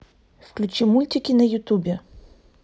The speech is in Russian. включи мультики на ютубе